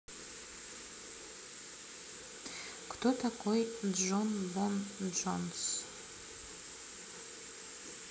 кто такой джон бон jones